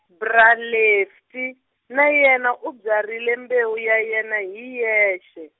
Bra Lefty, na yena u byarhile mbewu ya yena hi yexe.